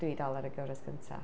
Dwi dal ar y gyfres gyntaf.